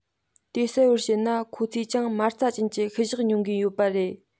དེ གསལ པོར བཤད ན ཁོ ཚོས ཀྱང མ རྩ ཅན གྱི བཤུ གཞོག མྱོང གི ཡོད པ རེད